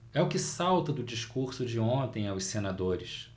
é o que salta do discurso de ontem aos senadores